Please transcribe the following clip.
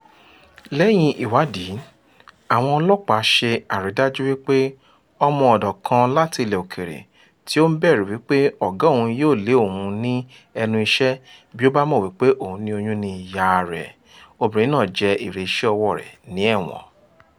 Lẹ́yìn ìwádìí, àwọn ọlọ́pàá ṣe àrídájú wípé ọmọ-ọ̀dọ̀ kan láti ilẹ̀ òkèèrè tí ó ń bẹ̀rù wípé ọ̀gá òun yóò lé òun ni ẹnu iṣẹ́ bí ó bá mọ̀ wípé òun ní oyún ni ìyáa rẹ̀. Obìrin náà jẹ èrè iṣẹ́ ọwọ́ọ rẹ̀ ní ẹ̀wọ̀n.